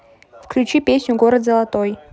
включи песню город золотой